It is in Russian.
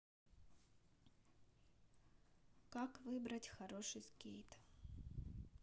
как выбрать хороший скейт